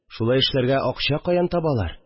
Шулай эшләргә акча каян табалар